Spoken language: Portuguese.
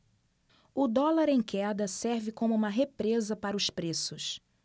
o dólar em queda serve como uma represa para os preços